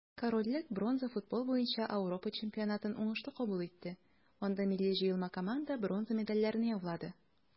Корольлек бронза футбол буенча Ауропа чемпионатын уңышлы кабул итте, анда милли җыелма команда бронза медальләрне яулады.